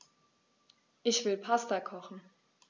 Ich will Pasta kochen.